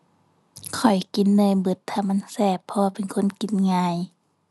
ข้อยกินได้เบิดถ้ามันแซ่บ เพราะว่าเป็นคนกินง่าย